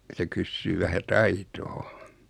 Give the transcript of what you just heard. se kysyy vähän taitoa